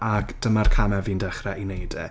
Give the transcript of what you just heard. ac dyma'r camau fi'n dechrau i wneud e.